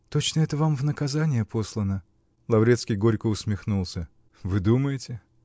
Точно это вам в наказание послано. Лаврецкий горько усмехнулся. -- Вы думаете?.